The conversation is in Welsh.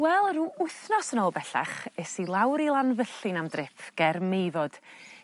wel rw wthnos yn ôl bellach es i lawr i Lanfyllin am drip ger Meifod